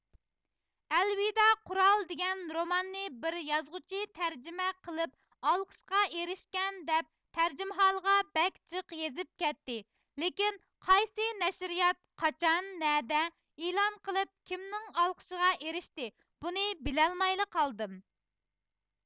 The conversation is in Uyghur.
ئەلۋىدا قۇرال دىگەن روماننى بىر يازغۇچى تەرجىمە قىلىپ ئالقىشقا ئېرىشكەن دەپ تەرجىمھالىغا بەك جىق يېزىپ كەتتى لېكىن قايسى نەشىرىيات قاچان نەدە ئېلان قىلىپ كىمنىڭ ئالقىشىغا ئېرىشتى بۇنى بىلەلمەيلا قالدىم